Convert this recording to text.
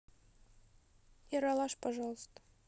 ералаш пожалуйста